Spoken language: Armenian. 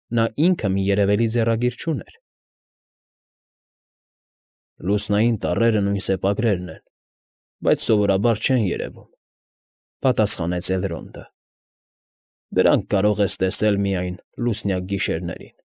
Նա ինքը մի երևելի ձեռագիր չուներ։ ֊ Լուսնային տառերը նույն սեպագրերն են, բայց սովորաբար չեն երևում,֊ պատասխանեց Էլրոնդը։֊ Դրանք կարող ես տեսնել միայն լուսնյակ գիշերներին.